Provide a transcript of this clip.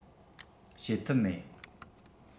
བྱེད ཐབས མེད